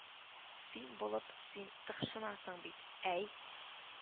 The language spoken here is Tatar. – син булып син тыкшынасың бит, әй